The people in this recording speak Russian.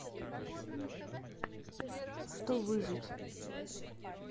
что выжить